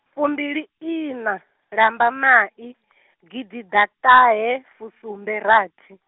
fumbili ina, Lambamai, gidiḓaṱahefusumberathi.